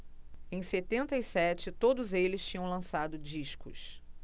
em setenta e sete todos eles tinham lançado discos